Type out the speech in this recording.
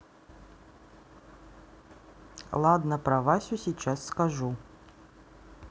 ладно про васю сейчас скажу